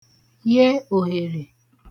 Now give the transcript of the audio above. ye òhèrè